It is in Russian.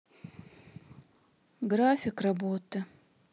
график работы